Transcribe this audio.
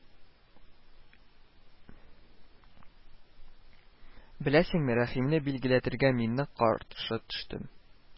Беләсеңме, Рәхимне билгеләтергә мин ник каршы төштем